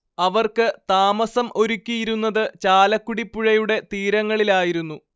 അവർക്ക് താമസം ഒരുക്കിയിരുന്നത് ചാലക്കുടിപ്പുഴയുടെ തീരങ്ങളിലായിരുന്നു